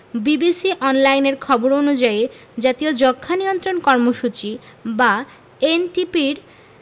BBC অনলাইনের খবর অনুযায়ী জাতীয় যক্ষ্মা নিয়ন্ত্রণ কর্মসূচি বা এনটিপির